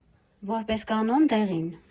Որպես կանոն՝ դեղին։